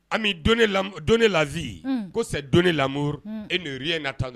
Ami donner l'am donner la vie unh ko c'est donner l'amour et ne rien attendre